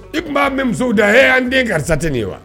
I tun b'a mɛn musow da e y'an den karisa tɛ nin ye wa